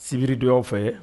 Sibiridon aw fɛ